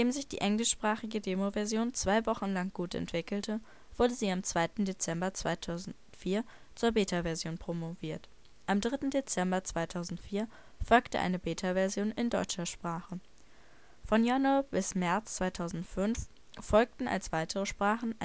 sich die englischsprachige Demo-Version zwei Wochen lang gut entwickelte, wurde sie am 2. Dezember 2004 zur Beta-Version promoviert. Am 3. Dezember 2004 folgte eine Beta-Version in deutscher Sprache. Von Januar bis März 2005 folgten als weitere Sprachen